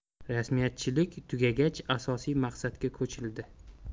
rasmiyatchilik tugagach asosiy maqsadga ko'childi